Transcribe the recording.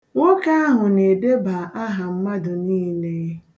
Nwoke ahụ na-edeba aha mmadụ niile.